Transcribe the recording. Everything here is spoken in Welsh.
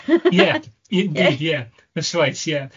... Ie, indeed, ie, that's right, ie.